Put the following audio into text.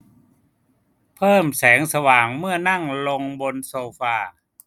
เพิ่มแสงสว่างเมื่อนั่งลงบนโซฟา